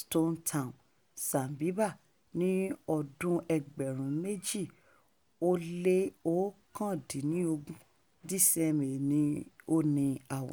Stone Town, Zanzibar, 2019. DCMA ni ó ni àwòrán.